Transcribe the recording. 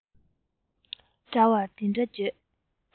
འདྲ བར འདི འདྲ བརྗོད